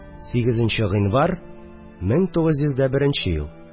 8 нче гыйнвар, 1901 ел